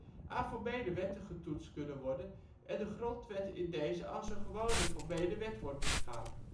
formele wetten getoetst kunnen worden, en de Grondwet in deze als een gewone formele wet wordt beschouwd